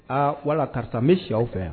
Aa wala karisa n bɛ si aw fɛ